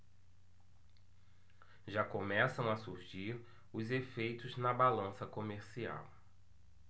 já começam a surgir os efeitos na balança comercial